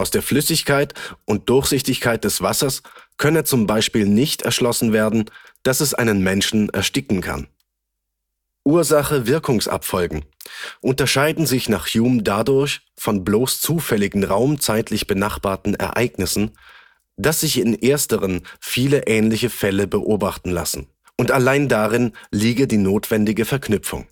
der Flüssigkeit und Durchsichtigkeit des Wassers könne z.B. nicht erschlossen werden, dass es einen Menschen ersticken kann. Ursache-Wirkungs-Abfolgen unterscheiden sich nach Hume dadurch von bloß zufälligen raum-zeitlich benachbarten Ereignissen, dass sich in ersteren viele ähnliche Fälle beobachten lassen. Und allein darin liege die notwendige Verknüpfung